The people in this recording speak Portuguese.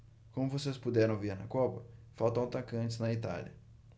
como vocês puderam ver na copa faltam atacantes na itália